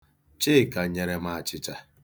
Chika nyere m achịcha.